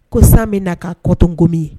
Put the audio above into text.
Ko san bɛ na ka kɔtonkomi ye